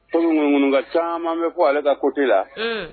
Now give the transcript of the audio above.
Paul ŋkan caman bɛ fɔ ale ka kote la